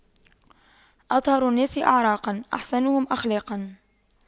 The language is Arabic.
أطهر الناس أعراقاً أحسنهم أخلاقاً